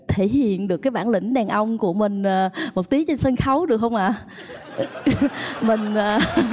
thể hiện được cái bản lĩnh đàn ông của mình một tí trên sân khấu được không ạ mình